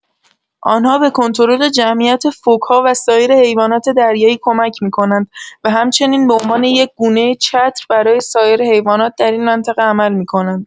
آن‌ها به کنترل جمعیت فوک‌ها و سایر حیوانات دریایی کمک می‌کنند و همچنین به عنوان یک گونه چتر برای سایر حیوانات در این منطقه عمل می‌کنند.